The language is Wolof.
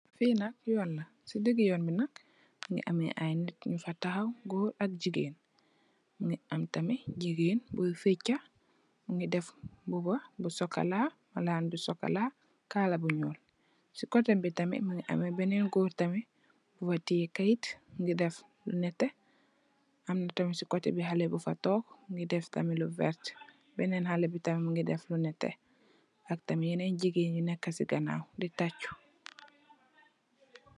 Fee nak yoon la se dege yoon be nak muge aye neet nugfa tahaw goor ak jegain muge am tamin jegain buye fecha muge def muba bu sukola malan bu sukola kala bu nuul se koteh be tamin muge ameh benen goor tamin bufa teye kayete muge def lu neteh am tamin se koteh be haleh bufa tonke muge def tamin lu verte benen haleh be tamin muge def lu neteh ak tamin yenen jegain yu neka se ganaw de tachu.